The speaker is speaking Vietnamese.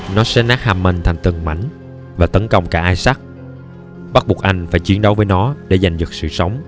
nó xé nát hammond thành từng mảnh và tấn công cả isaac bắt buộc anh phải chiến đấu với nó để giành giật sự sống